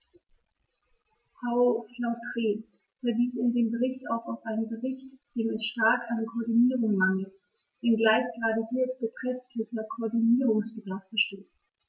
Frau Flautre verwies in ihrem Bericht auch auf einen Bereich, dem es stark an Koordinierung mangelt, wenngleich gerade hier beträchtlicher Koordinierungsbedarf besteht.